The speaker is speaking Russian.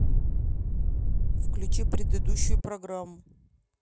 включи предыдущую программу